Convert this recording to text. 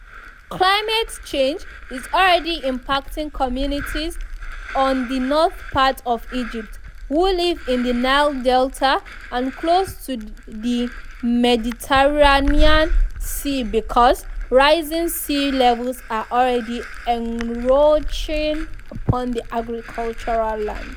Climate change is already impacting communities on the north part of Egypt, who live in the Nile delta and close to the Mediterranean sea because rising sea levels are already encroaching upon the agricultural lands.